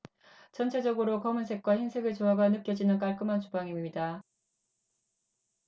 전체적으로 검은색과 흰색의 조화가 느껴지는 깔끔한 주방입니다